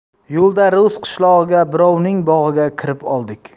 yo'lda rus qishlog'ida birovning bog'iga kirib oldik